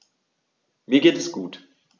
Mir geht es gut.